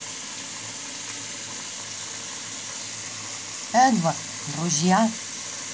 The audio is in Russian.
эдвард друзья